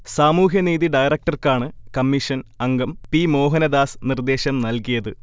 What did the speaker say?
സാമൂഹ്യനീതി ഡയറക്ടർക്കാണ് കമ്മിഷൻ അംഗം പി. മോഹനദാസ് നിർദേശം നൽകിയത്